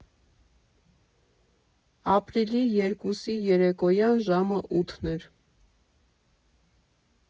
Ապրիլի երկուսի երեկոյան ժամը ութն էր։